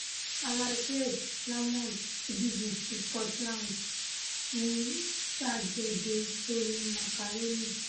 Alasdair Lamont ti BBC Scotland ní Gbàgede Tony Macaroni